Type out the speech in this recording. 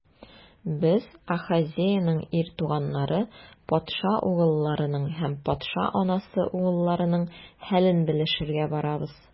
Без - Ахазеянең ир туганнары, патша угылларының һәм патша анасы угылларының хәлен белешергә барабыз.